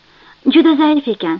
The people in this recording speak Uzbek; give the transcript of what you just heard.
juda zaif ekan